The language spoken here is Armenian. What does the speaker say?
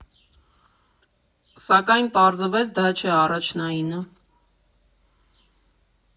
Սակայն պարզվեց դա չէ առաջնայինը։